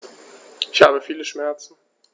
Ich habe viele Schmerzen.